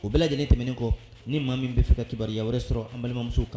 O bɛɛ lajɛlen tɛmɛnen kɔ ni maa min bɛ fɛ ka kibabaliruyaya wɛrɛ sɔrɔ an balimamuso kan